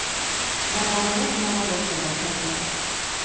Դա բառերով հնարավոր չէ բացատրել։